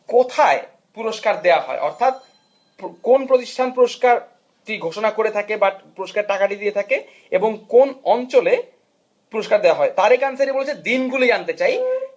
কোথায় পুরস্কার দেওয়া হয় অর্থাৎ কোন প্রতিষ্ঠানে পুরস্কারটি ঘোষণা করে থাকে বা পুরস্কারের টাকাটি দিয়ে থাকে এবং কোন অঞ্চলে পুরস্কার দেওয়া হয় তারেক আনসারী বলেছে দিনগুলি জানতে চাই